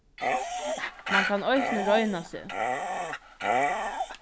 mann kann eisini royna seg